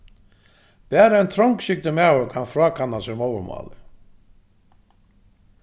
bara ein trongskygdur maður kann frákanna sær móðurmálið